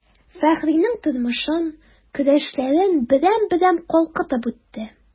Фәхринең тормышын, көрәшләрен берәм-берәм калкытып үтте.